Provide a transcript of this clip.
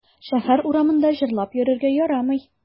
Шәһәр урамында җырлап йөрергә ярамый.